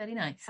Very nice.